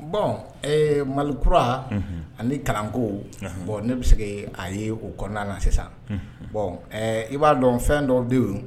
Bɔn ee mali kura ani kalanko bɔn ne bɛ se a ye u kɔnɔna na sisan bɔn i b'a dɔn fɛn dɔ don